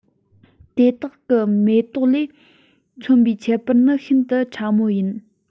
དེ དག གི མེ ཏོག ལས མཚོན པའི ཁྱད པར ནི ཤིན ཏུ ཕྲ མོ ཡིན